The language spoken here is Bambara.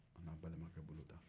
an'a balamakɛ bolo ta